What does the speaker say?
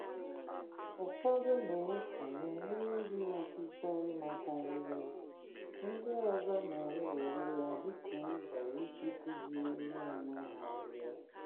Ụfọdụ na-esonye n'ihi ọchịchọ ịmata ihe; ndị ọzọ na-ewere ya dị ka ụzọ isi kuziere onwe ha ihe.